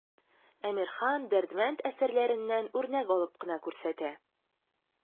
Әмирхан, Дәрдемәнд әсәрләреннән үрнәк алып кына күрсәтә.